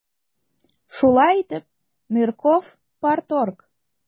Шулай итеп, Нырков - парторг.